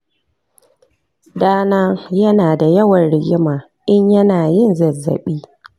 dana yanada yawan rigima in yanayin zazzabi